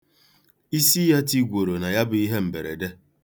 Isi ya tigworo na ya bụ ihe mberede.